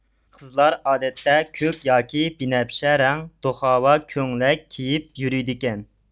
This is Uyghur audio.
قىزلار ئادەتتە كۆك ياكى بىنەپشە رەڭ دۇخاۋا كۆڭلەك كىيىپ يۈرۈيدىكەن